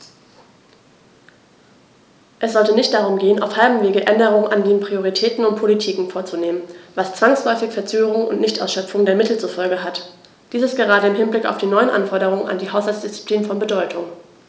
Es sollte nicht darum gehen, auf halbem Wege Änderungen an den Prioritäten und Politiken vorzunehmen, was zwangsläufig Verzögerungen und Nichtausschöpfung der Mittel zur Folge hat. Dies ist gerade im Hinblick auf die neuen Anforderungen an die Haushaltsdisziplin von Bedeutung.